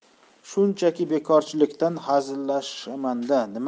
shunchaki bekorchilikdan hazillashamanda nima